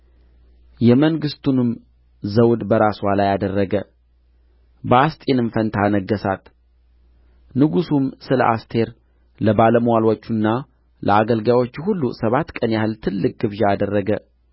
የመንግሥቱንም ዘውድ በራስዋ ላይ አደረገ በአስጢንም ፋንታ አነገሣት ንጉሡም ስለ አስቴር ለባለምዋሎቹና ለአገልጋዮቹ ሁሉ ሰባት ቀን ያህል ትልቅ ግብዣ አደረገ